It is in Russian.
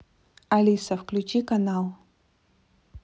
алиса включи канал